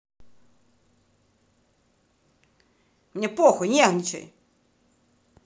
мне похуй нервничай